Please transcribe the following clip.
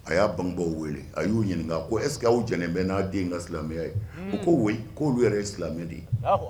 A y'a bangebaw wele a y'u ɲininkaka ko ɛsseke' jɛnɛ bɛ n'a den ka silamɛya ye ko k'olu yɛrɛ ye silamɛ de ye